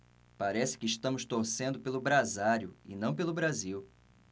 parece que estamos torcendo pelo brasário e não pelo brasil